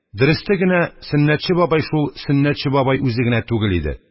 Дөресте генә, Сөннәтче бабай шул Сөннәтче бабай үзе генә түгел иде: